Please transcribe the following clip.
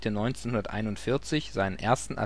1941 seinen ersten